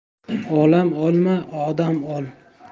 olam olma odam ol